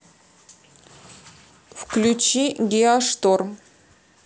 включи геошторм